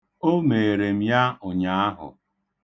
O meere m ya ụnyaahụ.